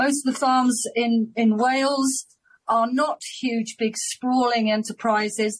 Most of the farms in in Wales are not huge, big, sprawling enterprises.